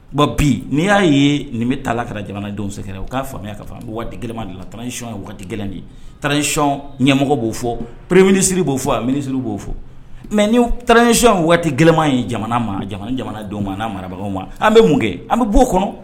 Bon bi n'i y'a ye nin bɛ taa la ka jamana don sɛɛrɛ u k'a faamuyaya ka n bɛ waati kelen de lacɔn ye waati gɛlɛn decɔn ɲɛmɔgɔ b'o fɔ perem minisiriri b'o fɔ a minisiri b'o fɔ mɛ nicɔn waati gɛlɛnman ye jamana ma jamana jamana ma n'a marabagaw ma an bɛ mun kɛ an bɛ' oo kɔnɔ